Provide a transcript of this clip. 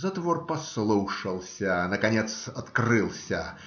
Затвор послушался, наконец открылся